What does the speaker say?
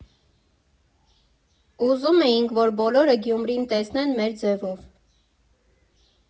Ուզում էինք, որ բոլորը Գյումրին տեսնեն մեր ձևով։